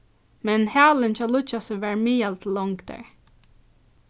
men halin hjá líggjasi var miðal til longdar